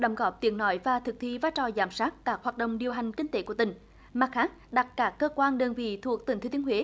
đóng góp tiếng nói và thực thi vai trò giám sát các hoạt động điều hành kinh tế của tỉnh mặt khác đặc các cơ quan đơn vị thuộc tỉnh thừa thiên huế